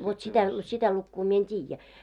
vot sitä sitä lukua minä en tiedä